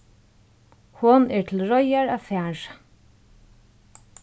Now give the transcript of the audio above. hon er til reiðar at fara